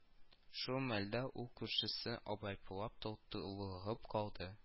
Шул мәлдә ул күршесен абайлап, тотлыгып калды